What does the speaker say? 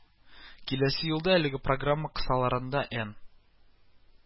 Киләсе елда әлеге программа кысаларында эН